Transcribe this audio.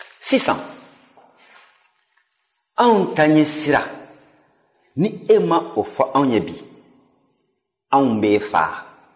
sisan anw taɲɛsira ni e ma o fɔ an ye bi an b'i faga